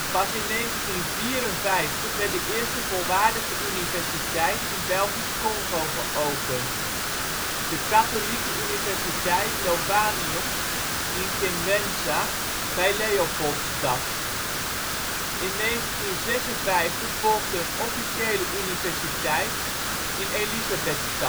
Pas in 1954 werd de eerste volwaardige universiteit in Belgisch-Kongo geopend: de katholieke universiteit Lovanium in Kimwenza bij Leopoldstad. In 1956 volgde een officiële universiteit in Elisabethstad